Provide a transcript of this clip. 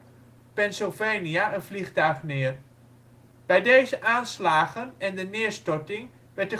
Pennsylvania een vliegtuig neer. Bij deze aanslagen en de neerstorting werd